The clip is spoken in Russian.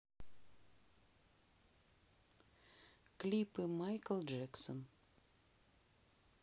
клипы майкл джексон